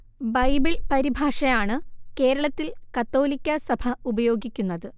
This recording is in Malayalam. ബൈബിൾ പരിഭാഷ ആണ് കേരളത്തിൽ കത്തോലിക്കാ സഭ ഉപയോഗിക്കുന്നത്